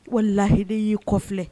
Wala lahi y'i kɔfi